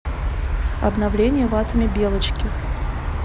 обновление в атоме белочки